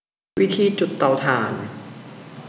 วิธีจุดเตาถ่าน